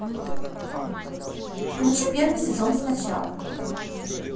включи первый сезон сначала